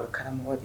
Karamɔgɔ de ye